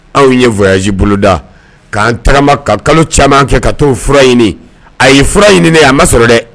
Anw ye voyage bolo da, k'an tagama ka kalo caman kɛ ka t'o fura ɲini, ayi fura ɲininen a ma sɔrɔ dɛ!